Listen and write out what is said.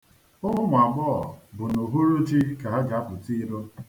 Ụmụ agbogho bụ n'uhuluchi ka ha ji apụta iro.